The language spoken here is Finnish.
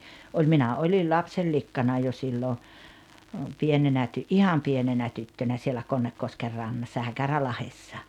oli minä olin lapsenlikkana jo silloin pienenä ihan pienenä tyttönä siellä Konnekosken rannassa Häkärälahdessa